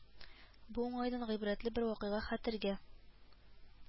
Бу уңайдан гыйбрәтле бер вакыйга хәтергә